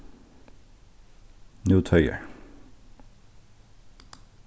nú toyar